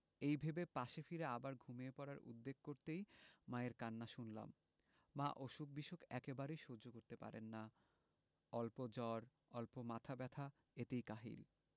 এই ভেবে পাশে ফিরে আবার ঘুমিয়ে পড়ার উদ্যোগ করতেই মায়ের কান্না শুনলাম মা অসুখ বিসুখ একেবারেই সহ্য করতে পারেন না অল্প জ্বর অল্প মাথা ব্যাথা এতেই কাহিল